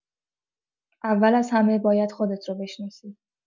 اول از همه باید خودت رو بشناسی.